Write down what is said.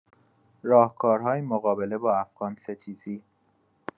راهکارهای مقابله با افغان‌ستیزی